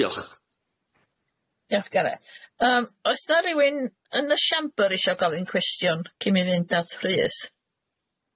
Diolch. Diolch Gareth yym oes na rywun yn y siambr isio gofyn cwestiwn cyn mynd at Rhys?